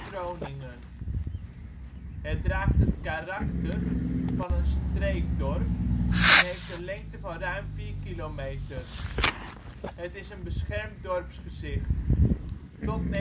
Groningen. Het draagt het karakter van een streekdorp en heeft een lengte van ruim 4 kilometer. Het is een beschermd dorpsgezicht. Tot 1968